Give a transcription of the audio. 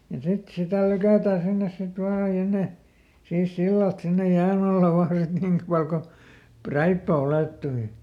ja sitten sitä lykätään sinne sitten vain ja ne siis sillalta sinne jään alla vain sitten niin paljon kuin räippä ylettyi